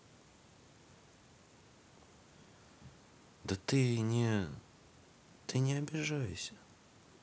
да ты не ты не обижайся